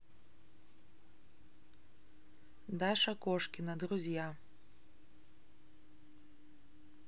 даша кошкина друзья